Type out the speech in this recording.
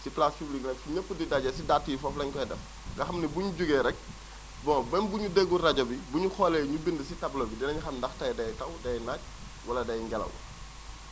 ci place publique ak fi ñëpp di daje si dàtt yi foofu la ñu koy def nga xam ne bu ñu jugee rek bon même bu ñu déggul rajo bi bu ñu xoolee ñu bind si tableau bi dinañ xam ndax tey day taw day naaj wala day ngelew